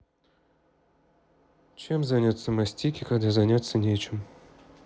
чем заняться мастики когда заняться нечем